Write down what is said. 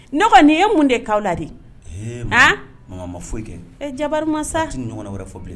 Ne ko nin ye mun de kɛ aw la de? Han! Ee mama, mama a ma foyi kɛ. Ee Jabaru masa! A tɛ ni ɲɔgɔn wɛrɛ fɔ bilen.